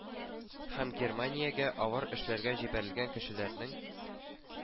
Һәм германиягә авыр эшләргә җибәрелгән кешеләрнең